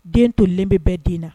Den tolen bɛ bɛn d na